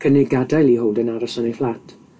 cynnig gadael i Holden aros yn ei fflat.